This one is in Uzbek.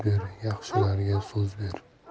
ber yaxshilarga so'z ber